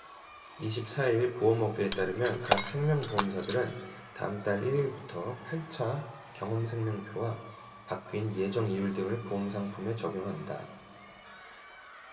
이십 사 일 보험업계에 따르면 각 생명보험사들은 다음달 일 일부터 팔 차 경험생명표와 바뀐 예정이율 등을 보험상품에 적용한다